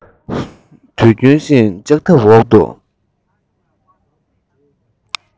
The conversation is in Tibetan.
དུས རྒྱུན བཞིན ལྕགས ཐབ འོག ཏུ